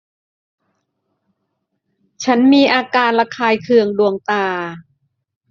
ฉันมีอาการระคายเคืองดวงตา